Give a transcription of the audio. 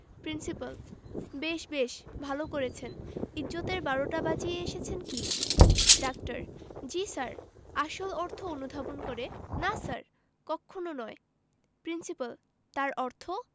principal বেশ বেশ ভালো করেছেন ইজ্জতের বারোটা বাজিয়ে এসেছেন কি ডাক্তার জ্বী স্যার আসল অর্থ অনুধাবন করে না স্যার কক্ষণো নয় প্রিন্সিপাল তার অর্থ